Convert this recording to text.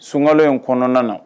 Sunkalo in kɔnɔna na